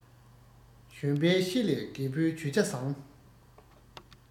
གཞོན པའི ཤེད ལས རྒད པོའི ཇུས བྱ བཟང